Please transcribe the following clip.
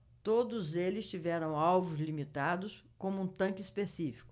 todos eles tiveram alvos limitados como um tanque específico